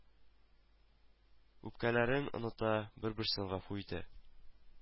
Үпкәләрен оныта, бер-берсен гафу итә